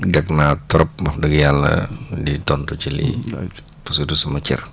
gag naa trop wax dëgg yàlla di tontu ci lii parce que du sama cër